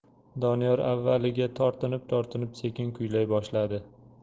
doniyor avvaliga tortinib tortinib sekin kuylay boshladi